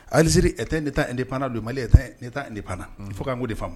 Aliz e tɛ ne taa n ni panana don mali ne taa nin panana fo ka mun de faamu ma